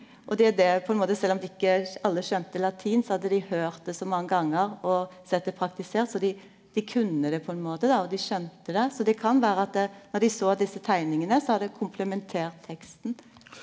og det er jo det på ein måte sjølv om dei ikkje alle skjønte latin så hadde dei høyrt det så mange gonger og sett det praktisert så dei dei kunne det på ein måte då og dei skjønte det så det kan vere at då dei så desse teikningane så har det komplementert teksten.